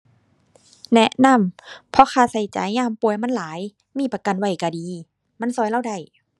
แนะนำ เพราะค่าใช้จ่ายยามป่วยมันหลาย มีประกันไว้ใช้ดี มันใช้เลาได้